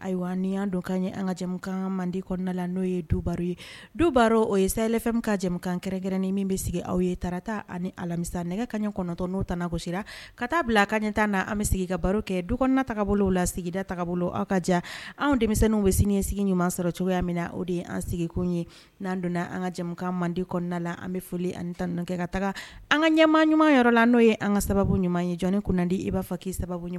Ayiwa ni an ka mande kɔnɔna la n'o du ye duba o ye safɛn ka jɛkankɛrɛn-rɛn min bɛ sigi aw ye taarata ani alamisa nɛgɛ ka ɲɛ kɔnɔntɔn n'o ta kosira ka taa bila a ka ɲɛ taa' an bɛ sigi ka baro kɛ du kɔnɔnataa bolo la sigidataa bolo aw ka jan anw denmisɛnninw bɛ sini sigi ɲuman sɔrɔ cogoya min na o de ye an sigikun ye n'an donna an ka jɛ mande kɔnɔna la an bɛ foli ani tan kɛ ka taga an ka ɲɛ ɲumanyɔrɔ la n'o ye an ka sababu ɲuman ye jɔnni kun di i b'a fɔ k'i sababu ɲuman